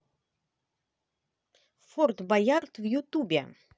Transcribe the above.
форт боярд в ютубе